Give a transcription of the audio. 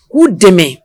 K'u dɛmɛ